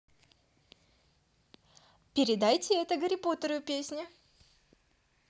передайте это гарри поттеру песня